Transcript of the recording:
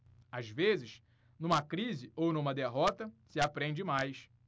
às vezes numa crise ou numa derrota se aprende mais